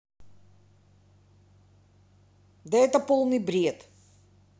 да это полный бред